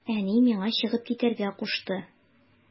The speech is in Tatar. Әни миңа чыгып китәргә кушты.